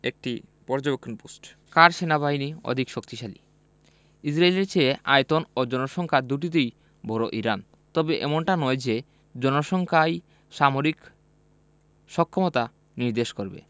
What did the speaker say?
একটি পর্যবেক্ষণ পোস্ট কার সেনাবাহিনী অধিক শক্তিশালী ইসরায়েলের চেয়ে আয়তন ও জনসংখ্যা দুটোতেই বড় ইরান তবে এমনটা নয় যে জনসংখ্যাই সামরিক সক্ষমতা নির্দেশ করবে